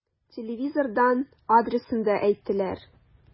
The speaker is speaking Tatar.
Телевизордан адресын да әйттеләр.